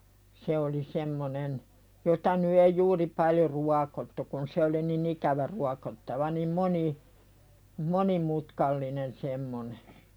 se oli semmoinen jota nyt ei juuri paljon ruokottu kun se oli niin ikävä ruokottava niin - monimutkainen semmoinen